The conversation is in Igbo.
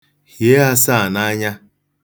hìe āsāa n'anya